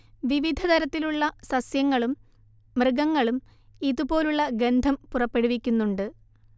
വിവിധതരത്തിലുള്ള സസ്യങ്ങളും മൃഗങ്ങളും ഇതു പോലുള്ള ഗന്ധം പുറപ്പെടുവിക്കുന്നുണ്ട്